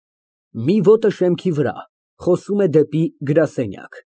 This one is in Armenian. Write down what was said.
Մի ոտը շեմքի վրա, խոսում է դեպի գրասենյակ)։